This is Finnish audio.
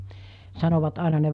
sanovat aina ne vanhat ihmiset että -